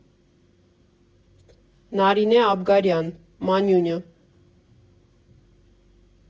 Նարինե Աբգարյան, «Մանյունյա»